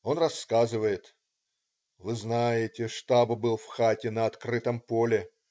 " Он рассказывает: "Вы знаете - штаб был в хате на открытом поле.